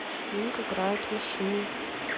бинг играет в машины